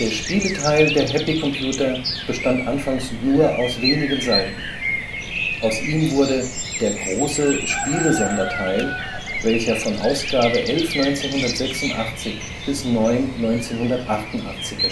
Spieleteil der Happy Computer bestand anfangs aus nur einigen Seiten. Aus ihm wurde „ Der große Spiele-Sonderteil “, welcher von Ausgabe 11/1986 bis 9/1988 erschien